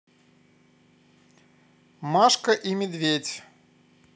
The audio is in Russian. машка и медведь